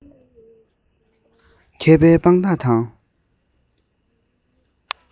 མཁས པའི དཔང རྟགས དང